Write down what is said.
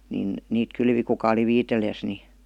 niin niitä kylvi kuka oli viitseliäs niin